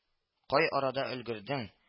— кай арада өлгердең